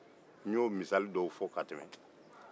n y'o misali dɔw fo ka tɛmɛ